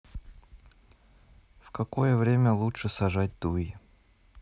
в какое время лучше сажать туи